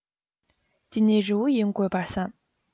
འདི ནི རི བོ ཡིན དགོས པར སེམས